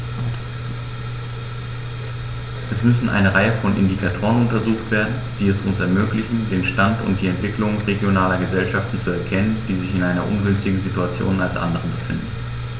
Es müssen eine Reihe von Indikatoren untersucht werden, die es uns ermöglichen, den Stand und die Entwicklung regionaler Gesellschaften zu erkennen, die sich in einer ungünstigeren Situation als andere befinden.